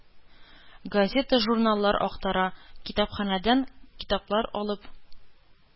Газета-журналлар актара, китапханәдән китаплар алып